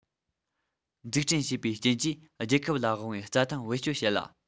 འཛུགས སྐྲུན བྱེད པའི རྐྱེན གྱིས རྒྱལ ཁབ ལ དབང བའི རྩྭ ཐང བེད སྤྱོད བྱེད ན